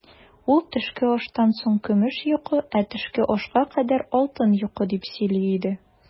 Ул, төшке аштан соң көмеш йокы, ә төшке ашка кадәр алтын йокы, дип сөйли иде.